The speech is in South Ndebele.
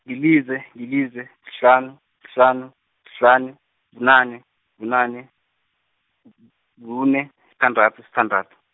lilize, yilize, kuhlanu, kuhlanu, kuhlanu, bunane, bunane, kune, sithandathu, sithandathu.